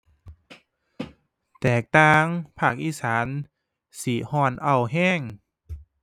แตกต่าง ภาคอีสานสิร้อนอ้าวร้อน